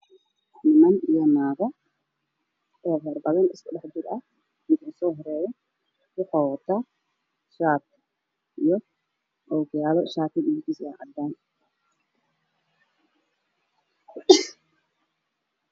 Niman iyo naago oo fara badan isku dhex jira ah midka u soo horeeyo waxuu wataa shaati iyo ookiyaalo shaatiga midabkiisa waa cadaan.